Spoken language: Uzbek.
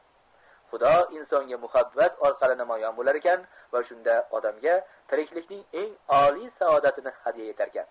xudo insonga muhabbat orqali namoyon bo'larkan va shunda odamga tiriklikning eng oliy saodatini hadya etarkan